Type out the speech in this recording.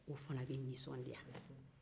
o fana bɛ nisɔndiya